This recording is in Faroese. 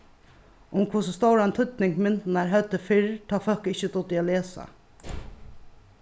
um hvussu stóran týdning myndirnar høvdu fyrr tá fólk ikki dugdu at lesa